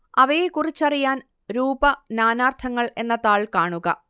അവയെക്കുറിച്ചറിയാൻ രൂപ നാനാർത്ഥങ്ങൾ എന്ന താൾ കാണുക